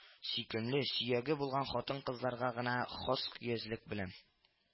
Сөйкемле сөяге булган хатын-кызларга гына хас көязлек белән